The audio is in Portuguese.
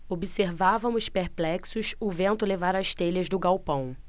observávamos perplexos o vento levar as telhas do galpão